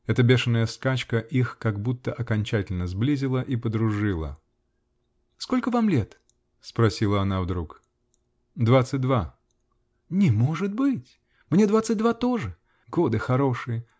Эта бешеная скачка их как будто окончательно сблизила и подружила. -- Сколько вам лет? -- спросила она вдруг. -- Двадцать два. -- Не может быть! Мне двадцать два тоже. Годы хорошие.